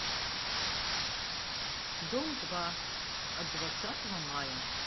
дом два от двадцатого мая